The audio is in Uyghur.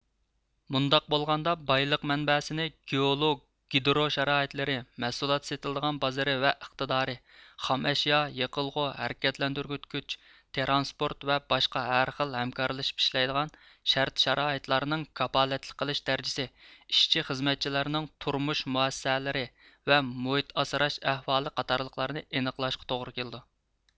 مۇنداق بولغاندا بايلىق مەنبەسىنى گېئولوگ گىدرو شارائىتلىرى مەھسۇلات سېتىلىدىغان بازىرى ۋە ئىقتىدارى خام ئەشيا يېقىلغۇ ھەرىكەتلەندۈرگۈچ كۈچ ترانسپورت ۋە باشقا ھەر خىل ھەمكارلىشىپ ئىشلەيدىغان شەرت شارائىتلارنىڭ كاپالەتلىك قىلىش دەرىجىسى ئىشچى خىزمەتچىلەرنىڭ تۇرمۇش مۇئەسسەسەلىرى ۋە مۇھىت ئاسراش ئەھۋالى قاتارلىقلارنى ئېنىقلاشقا توغرا كېلىدۇ